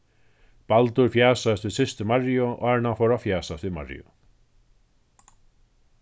baldur fjasaðist við systur mariu áðrenn hann fór at fjasast við mariu